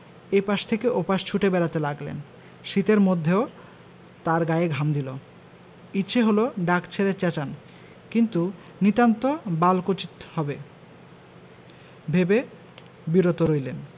এ পাশ থেকে ও পাশে ছুটে বেড়াতে লাগলেন শীতের মধ্যেও তাঁর গায়ে ঘাম দিলে ইচ্ছে হলো ডাক ছেড়ে চেঁচান কিন্তু নিতান্ত বালকোচিত হবে ভেবে বিরত রইলেন